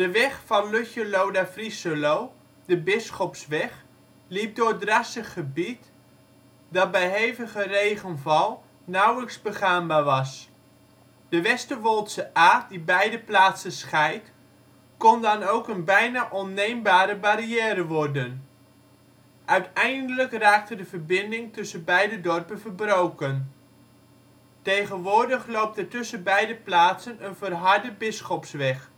weg van Lutjeloo naar Vriescheloo, de Bisschopsweg liep door drassig gebied, dat bij hevige regenval nauwelijks begaanbaar was. De Westerwoldsche Aa die beide plaatsen scheidt, kon dan ook een bijna onneembare barrière worden. Uiteindelijk raakte de verbinding tussen beide dorpen verbroken. Tegenwoordig loopt er tussen beide plaatsen een verharde Bisschopsweg